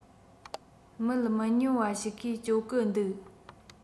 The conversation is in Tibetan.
མི མི ཉུང བ ཞིག གིས སྤྱོད གི འདུག